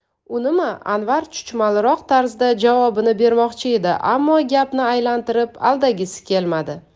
unimi anvar chuchmalroq tarzda javob bermoqchi edi ammo gapni aylantirib aldagisi kelmadi